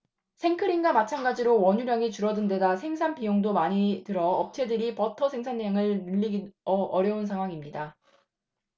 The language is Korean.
생크림과 마찬가지로 원유량이 줄어든데다 생산 비용도 많이 들어 업체들이 버터 생산량을 늘리기도 어려운 상황입니다